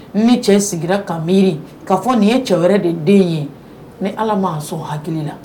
Ni cɛ sigira ka miiri ka fɔ nin ye cɛ wɛrɛ de den ye ni ala ma sɔn hakili la